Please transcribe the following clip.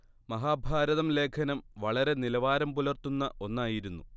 മഹാഭാരതം ലേഖനം വളരെ നിലവാരം പുലർത്തുന്ന ഒന്നായിരുന്നു